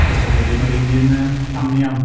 Achos dach chi ddim yr un un yym anian.